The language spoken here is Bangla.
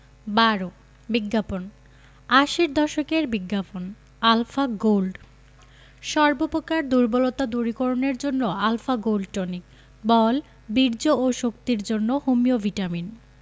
১২ বিজ্ঞাপন আশির দশকের বিজ্ঞাপন আলফা গোল্ড সর্ব প্রকার দুর্বলতা দূরীকরণের জন্য আল্ ফা গোল্ড টনিক বল বীর্য ও শক্তির জন্য হোমিও ভিটামিন